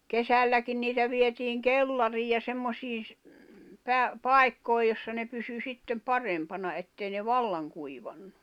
kesälläkin niitä vietiin kellariin ja semmoisiin -- paikkoihin jossa ne pysyi sitten parempana että ei ne vallan kuivanut